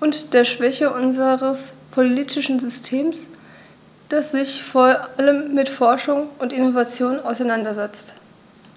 und der Schwäche unseres politischen Systems, das sich vor allem mit Forschung und Innovation auseinandersetzt.